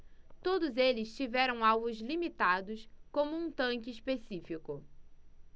todos eles tiveram alvos limitados como um tanque específico